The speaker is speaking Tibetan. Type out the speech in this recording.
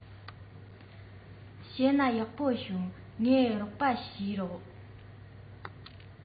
བྱས ན ཡག པོ བྱུང ངས རོགས པ ཞུས ཆོག